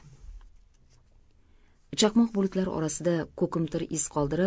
chaqmoq bulutlar orasida ko'kimtir iz qoldirib